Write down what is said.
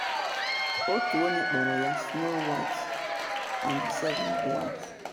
Otu onye kpọrọ ya “Snow White and the Seven Dwarfs.””